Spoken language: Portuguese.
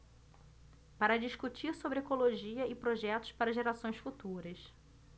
para discutir sobre ecologia e projetos para gerações futuras